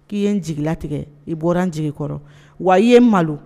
K'i ye n jigilatigɛ i bɔra n jigi kɔrɔ wa i ye malo